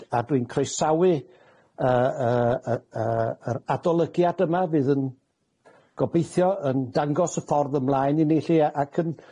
A dwi'n croesawu y y y y yr adolygiad yma fydd yn gobeithio yn dangos y ffordd ymlaen i ni lly, ac yn